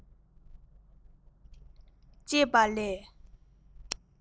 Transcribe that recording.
ཅེས པ ལས